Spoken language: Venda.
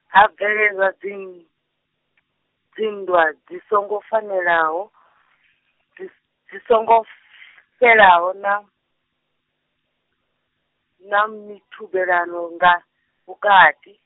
ha bveledza dzin-, dzinndwa dzisongo fanelaho , dzi dzi songo, fhelaho na, na mithubelano nga, vhukati.